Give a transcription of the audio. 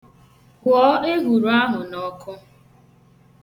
Hụọọ ehuru ahụ n'ọkụ.